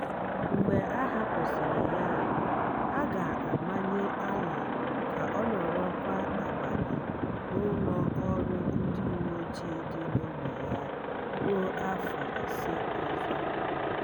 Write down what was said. Mgbe a hapụsịrị ya, a ga-amanye Alaa ka ọ nọrọ kwa abalị n'ụlọ ọrụ ndị uwe ojii dị n'ogbe ya ruo afọ ise ọzọ.